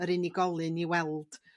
yr unigolyn i weld